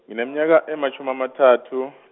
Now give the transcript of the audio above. ngineminyaka ematjhumi amathathu.